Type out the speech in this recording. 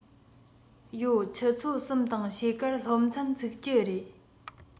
ཡོད ཆུ ཚོད གསུམ དང ཕྱེད ཀར སློབ ཚན ཚུགས ཀྱི རེད